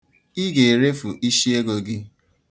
Ị ga-erefu isiego gị.